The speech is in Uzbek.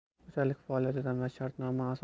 xo'jalik faoliyatidan va shartnoma